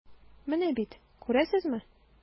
Менә бит, күрәсезме.